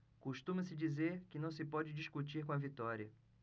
costuma-se dizer que não se pode discutir com a vitória